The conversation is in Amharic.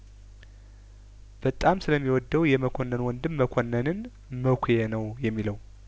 በጣም ስለሚ ወደው የመኮንን ወንድም መኮንንን መኳ ነው የሚለው